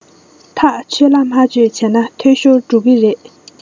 ཐག ཆོད ལ མ ཆོད བྱས ན འཐུས ཤོར འགྲོ གི རེད